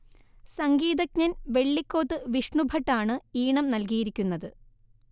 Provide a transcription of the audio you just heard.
സംഗീതജ്ഞൻ വെള്ളിക്കോത്ത് വിഷ്ണുഭട്ട് ആണ് ഈണം നല്കിയിരിക്കുന്നത്